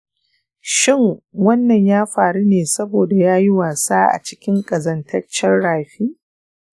shin wannan ya faru ne saboda ya yi wasa a cikin ƙazataccen rafi?